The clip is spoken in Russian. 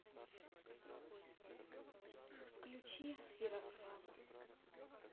включи ярославу